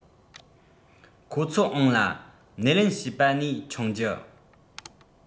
ཁོ ཚོའང ལ སྣེ ལེན ཞུས པ ནས མཆོང རྒྱུ